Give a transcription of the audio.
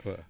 waaw